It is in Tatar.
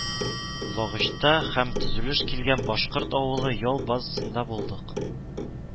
Лагычта һәм төзелеп килгән башкорт авылы ял базасында булдык